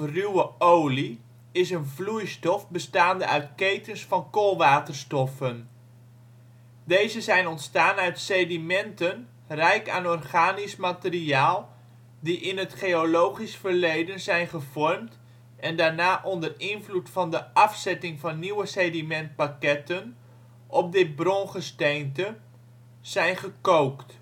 ruwe olie is een vloeistof bestaande uit ketens van koolwaterstoffen. Deze zijn ontstaan uit sedimenten rijk aan organisch materiaal die in het geologisch verleden zijn gevormd en daarna onder invloed van de afzetting van nieuwe sedimentpakketten op dit " brongesteente " zijn " gekookt